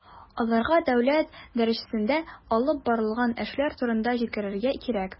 Аларга дәүләт дәрәҗәсендә алып барылган эшләр турында җиткерергә кирәк.